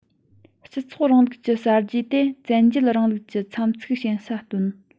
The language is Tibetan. སྤྱི ཚོགས རིང ལུགས ཀྱི གསར བརྗེ དེ བཙན རྒྱལ རིང ལུགས ཀྱི མཚམས ཚིགས ཞན ས བཏོན